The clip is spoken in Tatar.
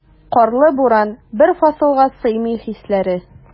Карлы буран, бер фасылга сыймый хисләре.